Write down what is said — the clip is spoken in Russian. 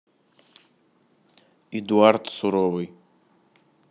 эдуард суровый